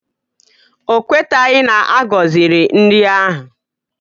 O ekwetaghị na-agọziri nri ahụ.